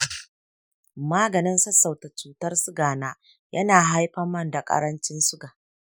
maganin sassauta cutar sugana ya na haifar mini ƙarancin suga.